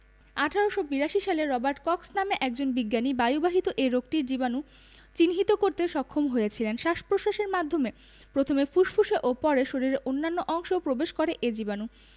১৮৮২ সালে Robert Koch নামে একজন বিজ্ঞানী বায়ুবাহিত এ রোগটির জীবাণু চিহ্নিত করতে সক্ষম হয়েছিলেন শ্বাস প্রশ্বাসের মাধ্যমে প্রথমে ফুসফুসে ও পরে শরীরের অন্য অংশেও প্রবেশ করে এ জীবাণু